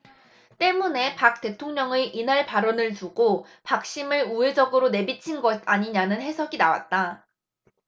때문에 박 대통령의 이날 발언을 두고 박심 을 우회적으로 내비친 것 아니냐는 해석이 나왔다